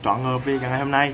choáng ngợp vì cả ngày hôm nay